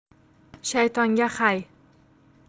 shaytonga hay